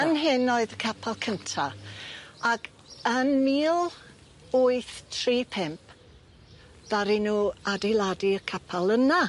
Fan hyn oedd y capal cynta ac yn mil wyth tri pump ddaru nw adeiladu y capal yna.